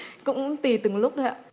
cũng tùy từng lúc thôi ạ